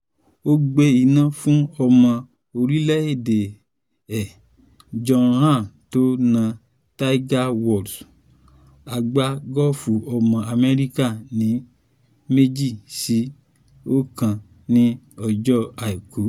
Ó gbé iná fún ọmọ orílẹ̀-èdè ẹ John Ram tó na Tiger Woods, agbágọ́ọ̀fù ọmọ Amẹ́ríkà, ní 2 sí 1 ní ọjọ́ Àìkú.